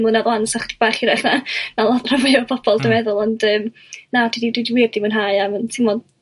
'mlynadd wan so 'chdig bach hirach na lo- rhan fwya' o bobol dwi'n meddwl ond yym na dwi 'di dwi wir 'di mwynhau a teimlo'n